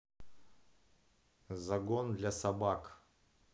загон для собак